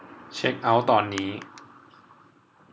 เช็คเอ้าท์ตอนนี้